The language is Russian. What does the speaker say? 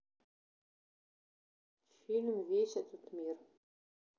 фильм весь этот мир